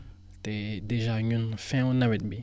te dèjà ñun fin wu nawet bi